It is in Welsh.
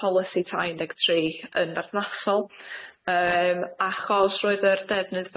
polisi tai un deg tri yn berthnasol yym achos roedd yr defnydd